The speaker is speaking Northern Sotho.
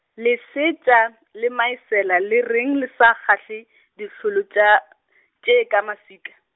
Lesetša, le Maesela le reng le sa kgahle, dihlolo tša, tše ka maswika?